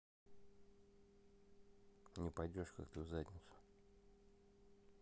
не пойдешь как ты в задницу